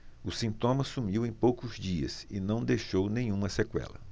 o sintoma sumiu em poucos dias e não deixou nenhuma sequela